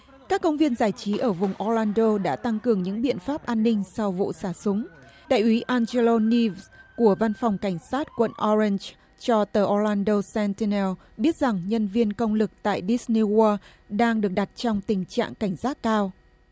các công viên giải trí ở vùng o lan đô đã tăng cường những biện pháp an ninh sau vụ xả súng đại úy an giê lô ni của văn phòng cảnh sát quận o ren cho tờ o lan đô sen tơ neo biết rằng nhân viên công lực tại đít ni gua đang được đặt trong tình trạng cảnh giác cao